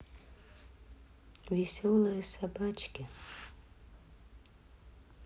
веселые собачки